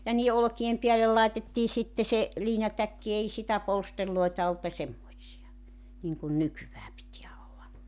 ja niiden olkien päälle laitettiin sitten se liinatäkki ei sitä polstereita ollut ja semmoisia niin kuin nykyään pitää olla